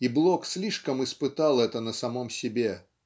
и Блок слишком испытал это на самом себе.